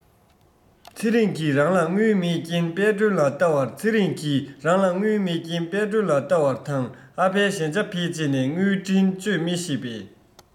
ཚེ རིང གི རང ལ དངུལ མེད རྐྱེན དཔལ སྒྲོན ལ བལྟ བར ཚེ རིང གི ཚེ རིང གི རང ལ དངུལ མེད རྐྱེན དཔལ སྒྲོན ལ བལྟ བར དང ཨ ཕའི གཞན ཆ བེད སྤྱད ནས དངུལ འཕྲིན སྤྱོད མི ཤེས པས